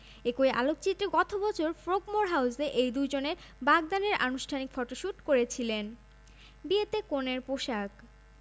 সাতটি দাতব্য প্রতিষ্ঠান বাছাই করেছেন এই সংস্থাগুলো নারীর ক্ষমতায়ন এইচআইভি পরিবেশ ও ঘরহীন মানুষদের নিয়ে কাজ করে বিয়ের ভোজ